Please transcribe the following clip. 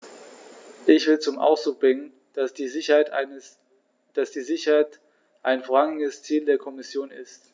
Ich will zum Ausdruck bringen, dass die Sicherheit ein vorrangiges Ziel der Kommission ist.